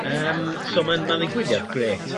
Yym so ma'n ma'n ddigwyddiad grêt.